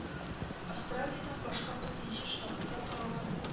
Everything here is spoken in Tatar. Австралиядән башка бөтен җир шарында таралганнар